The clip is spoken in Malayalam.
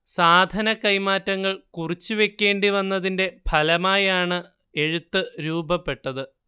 സാധനക്കൈമാറ്റങ്ങൾ കുറിച്ചുവെക്കേണ്ടി വന്നതിന്റെ ഫലമായാണ് എഴുത്ത് രൂപപ്പെട്ടത്